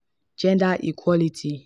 Gender equality